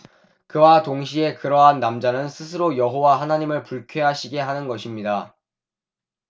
그와 동시에 그러한 남자는 스스로 여호와 하느님을 불쾌하시게 하는 것입니다